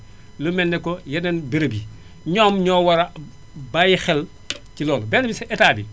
lu mel ni que yeneen béréb yi ñoom ñoo war a bàyyi xel ci loolu benn bi ci Etat bi